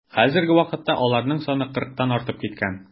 Хәзерге вакытта аларның саны кырыктан артып киткән.